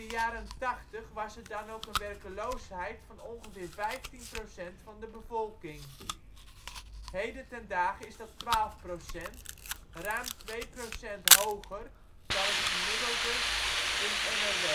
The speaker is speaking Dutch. jaren tachtig was er dan ook een werkeloosheid van ongeveer 15 % van de bevolking. Heden ten dage is dat 12 %, ruim 2 % hoger dan het gemiddelde in NRW